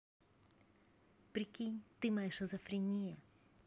прикинь ты моя шизофрения